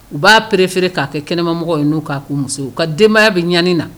U b'a pereeere k'a kɛ kɛnɛmamɔgɔ in n'u k'a' musow u ka denbayaya bɛ ɲani na